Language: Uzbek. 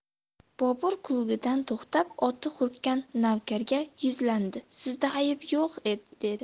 bobur kulgidan to'xtab oti hurkkan navkarga yuzlandi sizda ayb yo'q edi